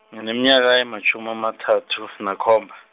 ngineminyaka ematjhumi amathathu, nakhomba.